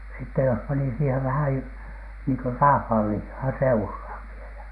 sitten jos pani siihen vähän jo niin kuin raavasta lihaa seuraan vielä